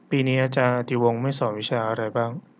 ปีนี้อาารย์อติวงศ์ไม่สอนวิชาอะไรบ้าง